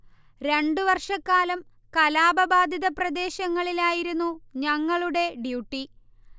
രണ്ടു വർഷക്കാലം കലാപബാധിത പ്രദേശങ്ങളിൽ ആയിരുന്നു ഞങ്ങളുടെ ഡൃൂട്ടി